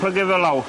Plygu fe lawr.